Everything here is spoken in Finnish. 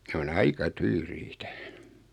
ne on aika tyyriitä